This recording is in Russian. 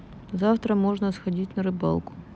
завтра можно сходить на рыбалку